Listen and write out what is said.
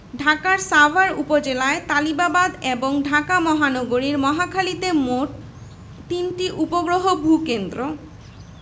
১২৬ প্রজাতির সরীসৃপ যার মধ্যে ১০৯টি প্রজাতি ভূ ভাগ বা স্বাদুপানির এবং ১৭টি সামুদ্রিক